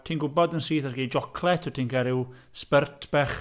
Ti'n gwybod yn syth os gei chocolate, ti'n cael rhyw spurt bach...